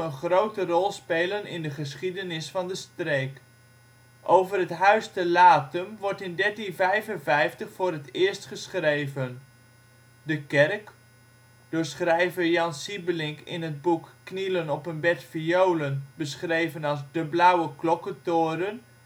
grote rol spelen in de geschiedenis van de streek. Over het ' Huis te Lathum ' wordt in 1355 voor het eerst geschreven.. De kerk (door schrijver Jan Siebelink in het boek Knielen op een bed violen beschreven als " de blauwe klokkentoren